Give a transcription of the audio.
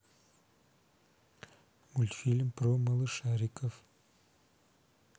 мультфильм про малышариков